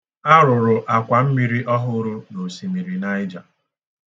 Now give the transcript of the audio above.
A rụrụ akwa mmiri ọhụrụ n'Osimiri Naija.